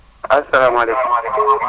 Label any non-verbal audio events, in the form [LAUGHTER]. asalaamaaleykum [NOISE]